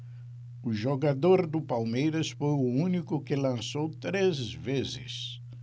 o jogador do palmeiras foi o único que lançou três vezes